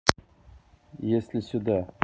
если сюда